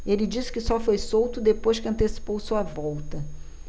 ele disse que só foi solto depois que antecipou sua volta